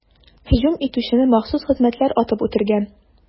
Һөҗүм итүчене махсус хезмәтләр атып үтергән.